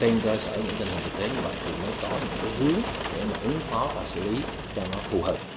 trên cơ sở những tình hình thực tế như vậy thì mới có những cái hướng để ứng phó và xử lý cho nó phù hợp